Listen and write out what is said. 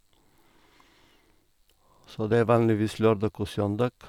Så det er vanligvis lørdag og søndag.